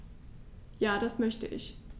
Ja, das möchte ich.